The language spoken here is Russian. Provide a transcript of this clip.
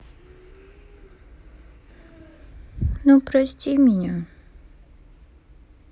ну прости меня